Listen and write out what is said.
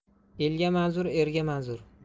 elga manzur erga manzur